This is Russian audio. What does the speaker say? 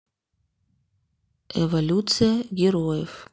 эволюция героев